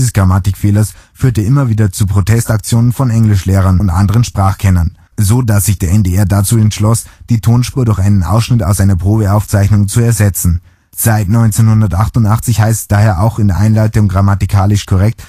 Grammatikfehlers führte immer wieder zu Protestreaktionen von Englischlehrern und anderen Sprachkennern, so dass sich der NDR dazu entschloss, die Tonspur durch einen Ausschnitt aus einer Probeaufzeichnung zu ersetzen. Seit 1988 heißt es daher auch in der Einleitung grammatikalisch korrekt